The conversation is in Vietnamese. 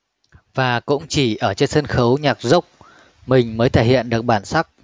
và cũng chỉ ở trên sân khấu nhạc rock mình mới thể hiện được bản sắc